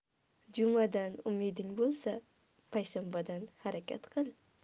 jumadan umiding bo'lsa payshanbadan harakat qil